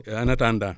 en attendant